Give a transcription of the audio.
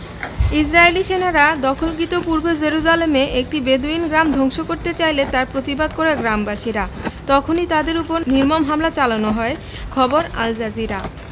ইসরাইলি সেনারা দখলীকৃত পূর্বে জেরুজালেমে একটি বেদুইন গ্রাম ধ্বংস করতে চাইলে তার প্রতিবাদ করে গ্রামবাসীরা তখনই তাদের ওপর নির্মম হামলা চালানো হয় খবর আল জাজিরা